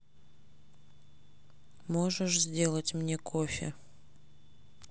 можешь сделать мне кофе